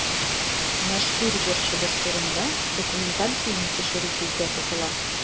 Мәшһүр җырчыбыз турында документаль фильм төшерү күздә тотыла.